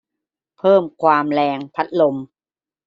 เพิ่มความแรงพัดลม